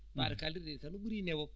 ɓaade kaalirɗe ɗee tan ɓuri newo